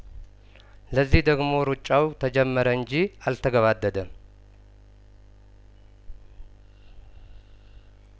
ለዚህ ደግሞ ሩጫው ተጀመረ እንጂ አልተገባደደም